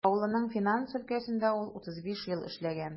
Баулының финанс өлкәсендә ул 35 ел эшләгән.